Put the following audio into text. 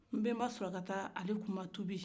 nbenba sulaka ta a le tun ma tubi